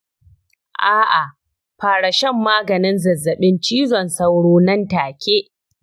a'a, fara shan maganin zazzabin cizon sauro nan take.